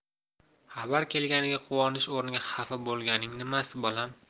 xabar kelganiga quvonish o'rniga xafa bo'lganing nimasi bolam